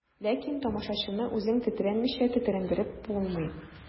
Ләкин тамашачыны үзең тетрәнмичә тетрәндереп булмый.